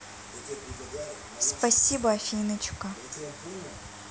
спасибо афиночка